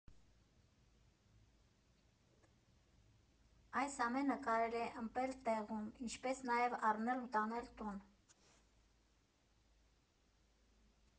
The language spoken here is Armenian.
Այս ամենը կարելի է ըմպել տեղում, ինչպես նաև՝ առնել ու տանել տուն։